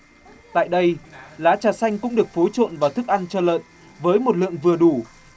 tại đây lá trà xanh cũng được phối trộn vào thức ăn cho lợn với một lượng vừa đủ